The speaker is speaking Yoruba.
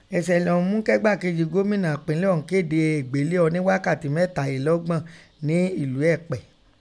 Ẹ̀ṣẹlẹ ọ̀ún mu kẹ ẹgbakeji Gómìnà ẹpinlẹ ọ̀hun kede egbele ọni ghakati mẹtaelọgbọn nẹ́ elu Ẹ̀pẹ́.